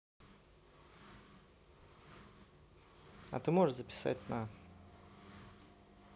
а ты можешь записать на